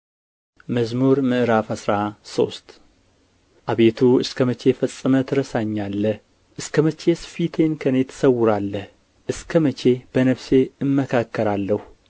መዝሙር ምዕራፍ አስራ ሶስት አቤቱ እስከ መቼ ፈጽመህ ትረሳኛለህ እስከ መቼስ ፊትህን ከእኔ ትሰውራለህ እስከ መቼ በነፍሴ እመካከራለሁ